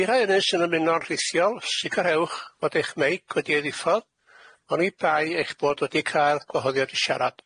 I'r rhai hynny sy'n ymuno'n rhithiol sicrhewch fod eich meic wedi'i ddiffodd oni bai eich bod wedi cael gwahoddiad i siarad.